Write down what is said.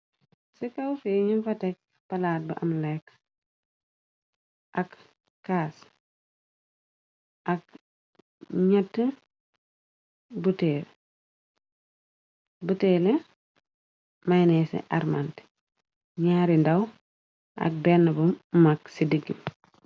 ci kawfee ñum fa tekk palaat bu am leek ak caas ak ñett bu teele maynee ci armante ñaari ndaw ak benn bu mag ci digg